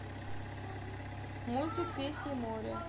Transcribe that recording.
мультик песни моря